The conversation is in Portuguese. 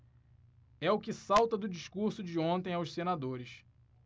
é o que salta do discurso de ontem aos senadores